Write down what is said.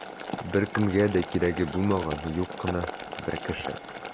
Беркемгә дә кирәге булмаган юк кына бер кеше.